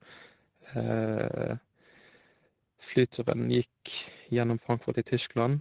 Flyturen gikk gjennom Frankfurt i Tyskland.